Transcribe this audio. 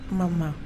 Ma